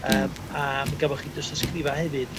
yym a mi gafo chi dystysgrifa hefyd